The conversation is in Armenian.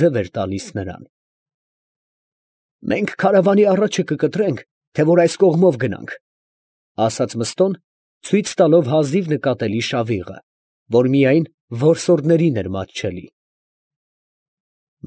Ձև էր տալիս նրան։ ֊ Մենք քարավանի առաջը կկտրենք, թե որ այս կողմով գնանք, ֊ ասաց Մըստոն ցույց տալով հազիվ նկատելի շավիղը, որ միայն որսորդներին էր մատչելի։ ֊